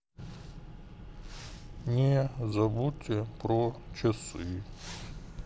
не забудьте про часы